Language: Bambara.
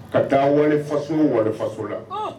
Ka taa Wali faso, wali faso la Ɔn!